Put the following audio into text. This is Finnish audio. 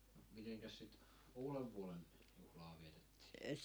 mitenkäs sitä uudenvuoden juhlaa vietettiin